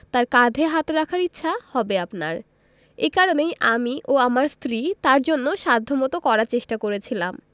তাঁর কাঁধে হাত রাখার ইচ্ছা হবে আপনার এ কারণেই আমি ও আমার স্ত্রী তাঁর জন্য সাধ্যমতো করার চেষ্টা করেছিলাম